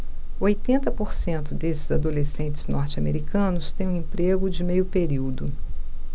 oitenta por cento desses adolescentes norte-americanos têm um emprego de meio período